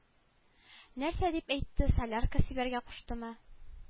Нәрсә дип әйтте солярка сибәргә куштымы